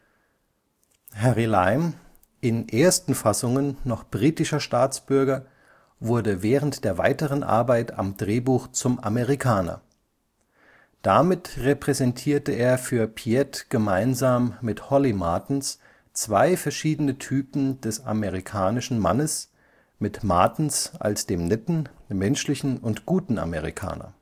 Harry Lime, in ersten Fassungen noch britischer Staatsbürger, wurde während der weiteren Arbeit am Drehbuch zum Amerikaner. Damit repräsentierte er für Piette gemeinsam mit Holly Martins zwei verschiedene Typen des amerikanischen Mannes, mit Martins als dem netten, menschlichen und guten Amerikaner